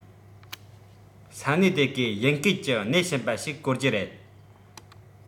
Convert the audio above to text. ས གནས དེ གའི དབྱིན སྐད ཀྱི སྣེ ཤན པ ཞིག བཀོལ རྒྱུ རེད